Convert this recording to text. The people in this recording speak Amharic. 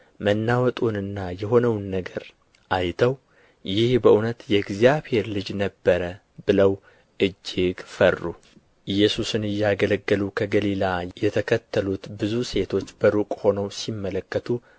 መናወጡንና የሆነውን ነገር አይተው ይህ በእውነት የእግዚአብሔር ልጅ ነበረ ብለው እጅግ ፈሩ ኢየሱስን እያገለገሉ ከገሊላ የተከተሉት ብዙ ሴቶች በሩቅ ሆነው ሲመለከቱ